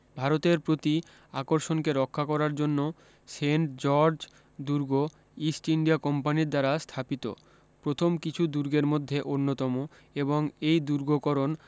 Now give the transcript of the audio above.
ভারতের প্রতি আকর্ষণকে রক্ষা করার জন্য সেন্ট জর্জ দুর্গ ইস্ট ইন্ডিয়া কোম্পানির দ্বারা স্থাপিত প্রথম কিছু দুর্গের মধ্যে অন্যতম এবং এই দূর্গকরণ